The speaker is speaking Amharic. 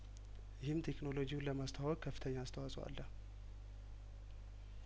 ይህም ቴክኖሎጂውን ለማስተዋወቅ ከፍተኛ አስተዋጽኦ አለው